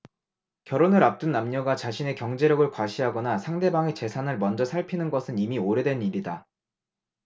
결혼을 앞둔 남녀가 자신의 경제력을 과시하거나 상대방의 재산을 먼저 살피는 것은 이미 오래된 일이다